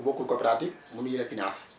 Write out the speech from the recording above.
bu bokkul coopérative mënuñu la financer